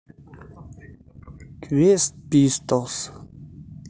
квест пистолс